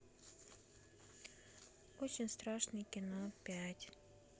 очень страшное кино пять